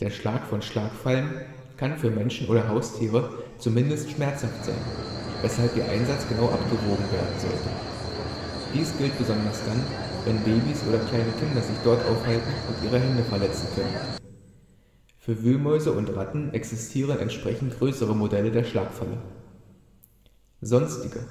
Schlag von Schlagfallen kann für Menschen oder Haustiere zumindest schmerzhaft sein, weshalb ihr Einsatz genau abgewogen werden sollte. Dies gilt besonders dann, wenn Babys oder kleine Kinder sich dort aufhalten und ihre Hände verletzen könnten. Für Wühlmäuse und Ratten existieren entsprechend größere Modelle der Schlagfalle. Sonstige